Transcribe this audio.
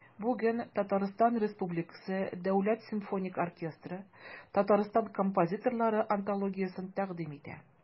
Бүген ТР Дәүләт симфоник оркестры Татарстан композиторлары антологиясен тәкъдим итә.